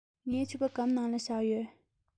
ངའི ཕྱུ པ སྒམ ནང ལ བཞག ཡོད